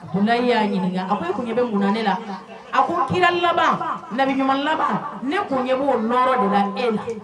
Munna y'a ɲininka a e kun bɛ mun ne la a ko kira ɲuman ne kunkɛ b'o de la e